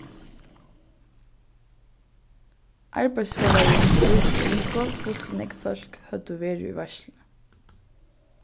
arbeiðsfelagin spurdi ingu hvussu nógv fólk høvdu verið í veitsluni